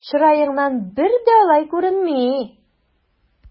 Чыраеңнан бер дә алай күренми!